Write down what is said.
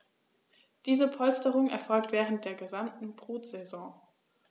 Diese Polsterung erfolgt während der gesamten Brutsaison.